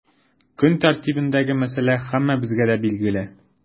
Көн тәртибендәге мәсьәлә һәммәбезгә дә билгеле.